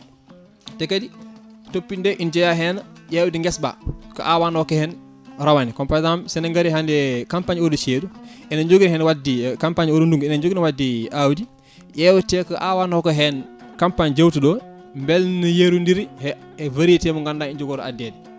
te kadi toppitede ene jeeya hen ƴewde guesa ba ko awanoka hen rawane comme par exemple sen gaari hannde campagne oɗo ceeɗu enen joogori hen wadde campagne oɗo ndugngu eɗen joogorno wadde awdi ƴewrete ko awanoka hen campagne jawtuɗo o beele ne yerodiri e variété mo ganduɗa ene jogori haddede